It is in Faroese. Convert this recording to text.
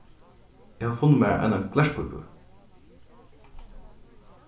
eg havi funnið mær eina glerpípu